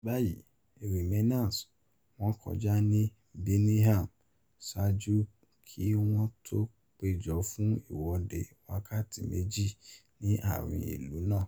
Níbàyí, Ramainers wọ́ kọjá ní Birmingham ṣáájú kí wọ́n tó péjọ fún ìwọ́de wákàtí méjì ní àárín ìlú náà.